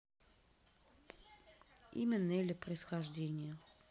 имя нелли происхождение